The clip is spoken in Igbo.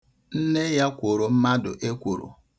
Nne ya kworo mmadụ ekworo.